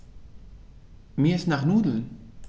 Mir ist nach Nudeln.